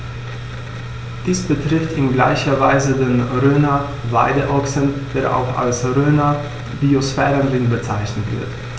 Dies betrifft in gleicher Weise den Rhöner Weideochsen, der auch als Rhöner Biosphärenrind bezeichnet wird.